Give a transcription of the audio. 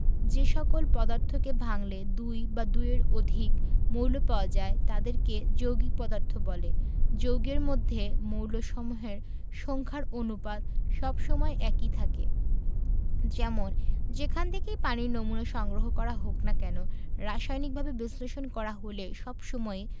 যে সকল পদার্থকে ভাঙলে দুই বা দুইয়ের অধিক মৌল পাওয়া যায় তাদেরকে যৌগিক পদার্থ বলে যৌগের মধ্যে মৌলসমূহের সংখ্যার অনুপাত সব সময় একই থাকে যেমন যেখান থেকেই পানির নমুনা সংগ্রহ করা হোক না কেন রাসায়নিকভাবে বিশ্লেষণ করা হলে সব সময়